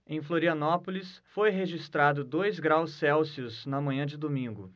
em florianópolis foi registrado dois graus celsius na manhã de domingo